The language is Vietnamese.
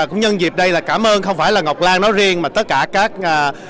cũng nhân dịp đây là cảm ơn không phải là ngọc lan nói riêng và tất cả các a